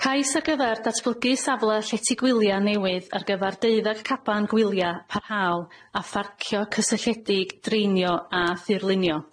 Cais ar gyfer datblygu safle llety gwylia newydd ar gyfar deuddag caban gwylia parhaol a pharcio cysylltiedig dreinio a thirlunio.